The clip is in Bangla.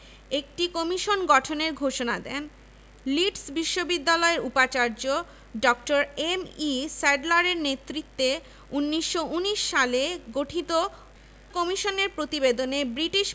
একটি কমিশন গঠনের ঘোষণা দেন লিড্স বিশ্ববিদ্যালয়ের উপাচার্য ড. এম.ই স্যাডলারের নেতৃত্বে ১৯১৯ সালে গঠিত কমিশনের প্রতিবেদনে ব্রিটিশ